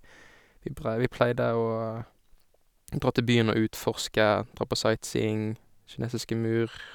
vi brei Vi pleide å dra til byen og utforske, dra på sightseeing, kinesiske mur.